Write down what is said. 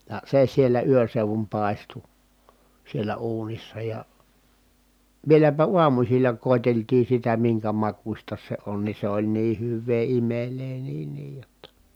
ja se siellä yön seudun paistui siellä uunissa ja vieläpä aamusilla koeteltiin sitä minkä makuista se on niin se oli niin hyvää imelää niin niin jotta